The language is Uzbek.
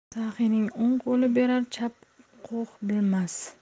saxiyning o'ng qo'li berar chap qo'h bilmas